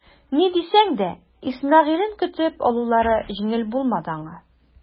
Ни дисәң дә Исмәгыйлен көтеп алулары җиңел булмады аңа.